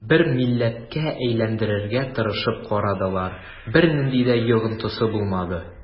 Бер милләткә әйләндерергә тырышып карадылар, бернинди дә йогынтысы булмады.